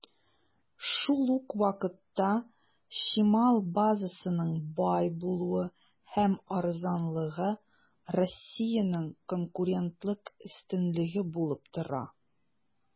Шул ук вакытта, чимал базасының бай булуы һәм арзанлыгы Россиянең конкурентлык өстенлеге булып тора.